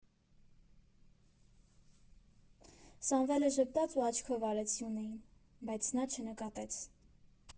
Սամվելը ժպտաց ու աչքով արեց Սյունեին, բայց նա չնկատեց։